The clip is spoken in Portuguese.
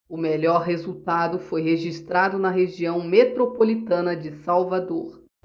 o melhor resultado foi registrado na região metropolitana de salvador